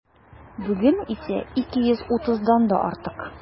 Бүген исә 230-дан да артык.